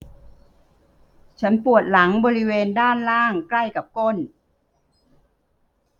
ฉันปวดหลังบริเวณด้านล่างใกล้กับก้น